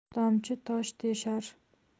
tomchi tosh teshar